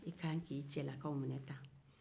i ka kan k'i cɛlakaw minɛ tan